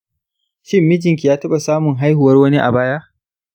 shin mijinki ya taɓa samun haihuwar wani a baya?